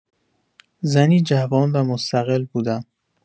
زنی جوان و مستقل بودم.